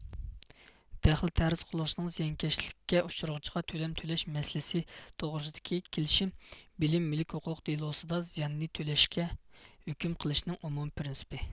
دەخلى تەرۇز قىلغۇچىنىڭ زىيانكەشلىكىگە ئۇچرىغۇچىغا تۆلەم تۆلەش مەسىلىسى توغرىسىدىكى كېلىشىم بىلىم مۈلۈك ھوقۇقى دېلوسىدا زىياننى تۆلەشكە ھۆكۈم قىلىشنىڭ ئومۇمىي پرىنسىپى